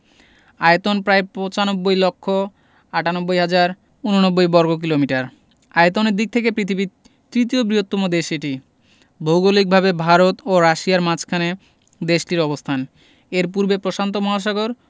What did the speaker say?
আয়তন প্রায় ৯৫ লক্ষ ৯৮ হাজার ৮৯ বর্গকিলোমিটার আয়তনের দিক থেকে পৃথিবীর তৃতীয় বৃহত্তম দেশ এটি ভৌগলিকভাবে ভারত ও রাশিয়ার মাঝখানে দেশটির অবস্থান এর পূর্বে প্রশান্ত মহাসাগর